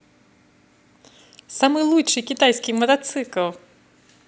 самый лучший китайский мотоцикл